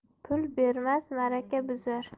pul bermas ma'raka buzar